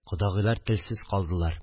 Кодагыйлар телсез калдылар